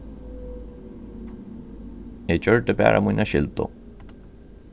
eg gjørdi bara mína skyldu